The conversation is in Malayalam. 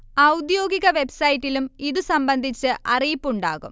ഔദ്യോഗിക വെബ്സൈറ്റിലും ഇതുസംബന്ധിച്ച് അറിയിപ്പുണ്ടാകും